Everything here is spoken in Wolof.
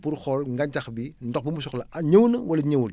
pour xool ngàncax bi ndox bu mu soxla ñëw na wala ñëwul